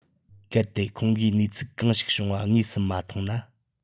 གལ ཏེ ཁོང གིས གནས ཚུལ གང ཞིག བྱུང བ དངོས སུ མ མཐོང ན